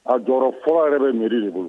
A jɔyɔrɔ fɔlɔ yɛrɛ bɛ mi de bolo